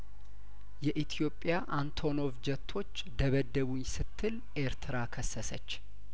የኢትዮጵያ አንቶኖቭ ጀቶች ደበደቡኝ ስትል ኤርትራ ከሰሰች